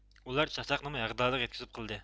ئۇلار چاقچاقنىمۇ ھەغدادىغا يەتكۈزۈپ قىلدى